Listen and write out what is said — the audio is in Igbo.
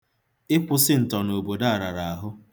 Ịkwụsi ntọ n'obodo a rara ahụ.